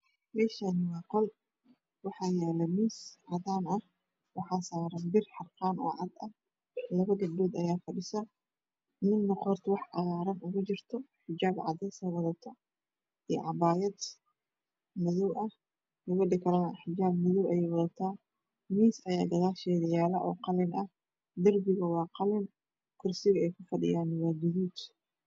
Meshanu waa qol waxaa yala mis bir harqan oo cad laba gabdho ayaa fadhiyan nin qorta wax cagaran usaran yihiin gabadha xijab cagara wadata habadha kalan xijab madow ayeey wadata